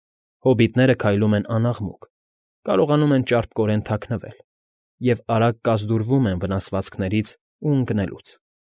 Հոբիտները քայլում են անաղմուկ, կարողանում են ճարպկորեն թաքնվել և արագ կազդուրվում են վնասվածքներից ու ընկնելուց։